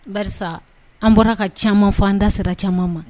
Ba an bɔra ka ca fo an da sira caman ma